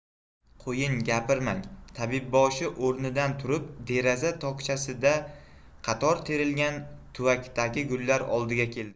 qo'ying gapirmang tabibboshi o'rnidan turib deraza tokchasiga qator terilgan tuvakdagi gullar oldiga keldi